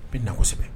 N bɛna o sɛbɛn.